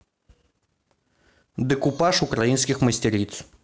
декупаж украинских мастериц